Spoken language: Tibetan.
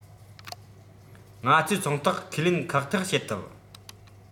ང ཚོའི ཚོང རྟགས ཁས ལེན ཁག ཐེག བྱེད ཐུབ